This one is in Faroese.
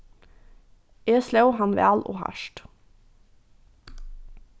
eg sló hann væl og hart